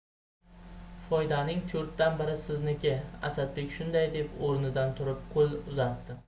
foydaning to'rtdan biri sizniki asadbek shunday deb o'rnidan turib qo'l uzatdi